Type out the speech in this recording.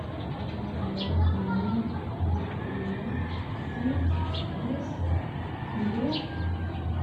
Halkaan waxaa yaalo kareemooyin midabkoodu uu yahay cadeys, kafay iyo madow.